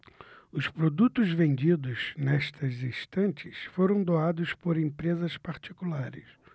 os produtos vendidos nestas estantes foram doados por empresas particulares